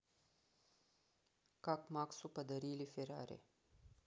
как максу подарили феррари